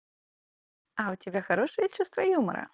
а у тебя хорошее чувство юмора